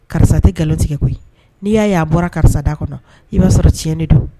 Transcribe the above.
Karisa tɛ nkalon tigɛ koyi n'i y'a y'a bɔra karisa da kɔnɔ i b'a sɔrɔ tiɲɛɲɛn de don